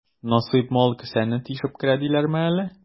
Насыйп мал кесәне тишеп керә диләрме әле?